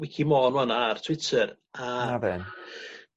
wici Môn rŵan ar Twitter a... 'Na fe.